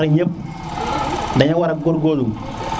ñun ñëp daño wara goor gorlu